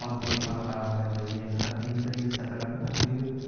oddiy qora qalam bilan yozilgan xatning birinchi satrlarini o'qidi yu